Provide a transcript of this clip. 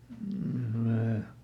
mm